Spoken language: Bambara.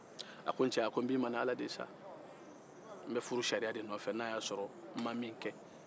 a ko n cɛ a ko n b'i ma n'ala de ye sa n bɛ furusariya de nɔfɛ n ma min kɛ